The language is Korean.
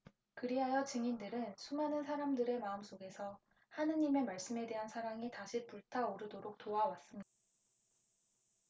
그리하여 증인들은 수많은 사람들의 마음속에서 하느님의 말씀에 대한 사랑이 다시 불타오르도록 도와 왔습니다